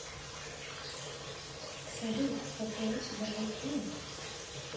салют какой у тебя iq